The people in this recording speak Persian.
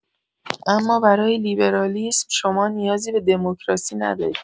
اما برای لیبرالیسم شما نیازی به دموکراسی ندارید.